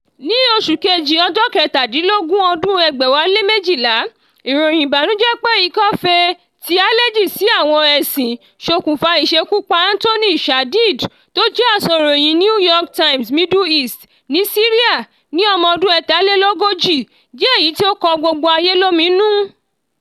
Ní Fẹ́búárì 17, ọdún 2012, ìròyìn ìbànújẹ́ pé ikọ́fee tí álẹ́jì sí àwọn ẹṣin ṣokùnfà ẹ̀ ṣekú pa Anthony Shadid tó jẹ́ Asọrọ̀yìn New York Times Middle East ní Syria ni ọmọ ọdún 43, jẹ́ èyí tó kọ gbogbo ayé lóminú.